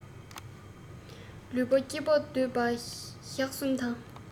ལུས པོ སྐྱིད པོར སྡོད པ ཞག གསུམ དང